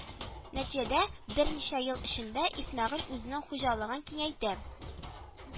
Нәтиҗәдә, берничә ел эчендә Исмәгыйль үзенең хуҗалыгын киңәйтә